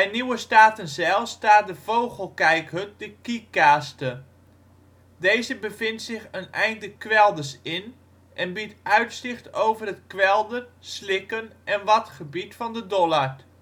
Nieuwe Statenzijl staat de vogelkijkhut de Kiekkaaste. Deze bevindt zich een eind de kwelders in en biedt uitzicht over het kwelder -, slikken - en wadgebied van de Dollard